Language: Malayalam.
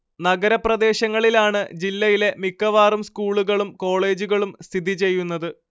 നഗരപ്രദേശങ്ങളിലാണ് ജില്ലയിലെ മിക്കവാറും സ്കൂളുകളും കോളേജുകളും സ്ഥിതി ചെയ്യുന്നത്